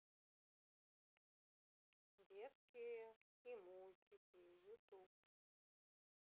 детские и мультики ютуб